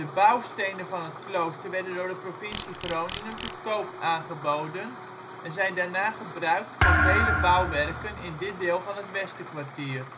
bouwstenen van het klooster werden door de provincie Groningen te koop aangeboden en zijn daarna gebruikt voor vele bouwwerken in dit deel van het Westerkwartier